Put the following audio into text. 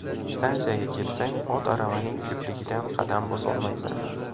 stansiyaga kelsang ot aravaning ko'pligidan qadam bosolmaysan